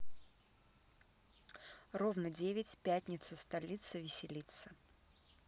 ровно девять пятница столица веселится